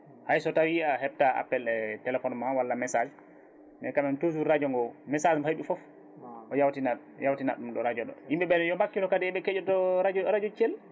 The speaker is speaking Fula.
hayso tawi a hebta appel e téléphone ma walla message mais quand même toujours radio ngo message mo heeɓi foof o hawtinat o hawtinat ɗum ɗo radio ɗum ɗo radio ɗo yimɓeɓe ne yo bakkilo kadi e ɗo keɗoto radio radio Thiel